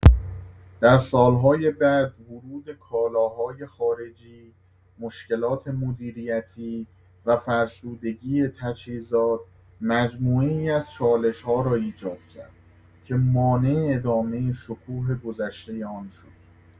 در سال‌های بعد ورود کالاهای خارجی، مشکلات مدیریتی و فرسودگی تجهیزات، مجموعه‌ای از چالش‌ها را ایجاد کرد که مانع ادامه شکوه گذشته آن شد.